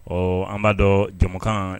Ɔ an b'a dɔn jamukan